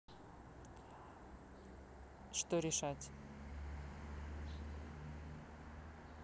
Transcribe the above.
что решать